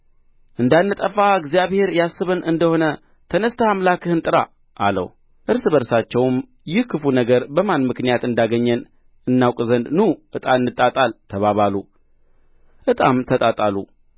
እንዳንጠፋ እግዚአብሔር ያስበን እንደ ሆነ ተነሥተህ አምላክህን ጥራ አለው እርስ በእርሳቸውም ይህ ክፉ ነገር በማን ምክንያት እንዳገኘን እናውቅ ዘንድ ኑ ዕጣ እንጣጣል ተባባሉ ዕጣም ተጣጣሉ